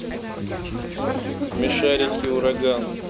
смешарики ураган